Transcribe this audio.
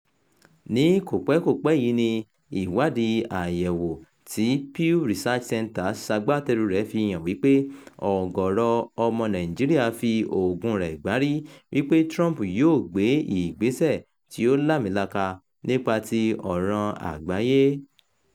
Ní kò pẹ́ kò pẹ́ yìí ni ìwádìí àyẹ̀wò tí Pew Research Centre ṣagbátẹrùu rẹ̀ fi hàn wípé ọ̀gọ̀rọ̀ ọmọ Nàìjíríà "fi Ògún-un rẹ̀ gbárí" wípé Trump "yóò gbé ìgbésẹ̀ tí ó lààmìlaka nípa ti ọ̀ràn àgbáyé".